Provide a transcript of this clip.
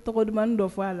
Tɔgɔdimani dɔ fɔ a la